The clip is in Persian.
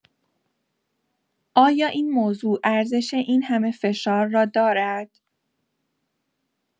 آیا این موضوع ارزش این همه فشار را دارد؟